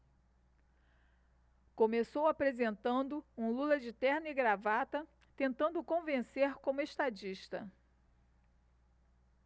começou apresentando um lula de terno e gravata tentando convencer como estadista